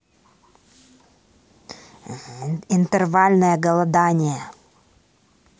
интервальное голодание